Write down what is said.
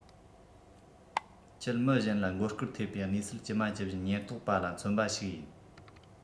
ཁྱེད མི གཞན ལ མགོ སྐོར ཐེབས པའི གནས ཚུལ ཇི མ ཇི བཞིན ཉེན རྟོག པ ལ མཚོན པ ཞིག ཡིན